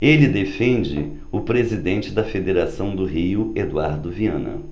ele defende o presidente da federação do rio eduardo viana